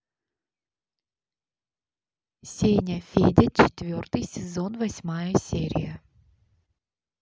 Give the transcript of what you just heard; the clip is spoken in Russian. сеня федя четвертый сезон восьмая серия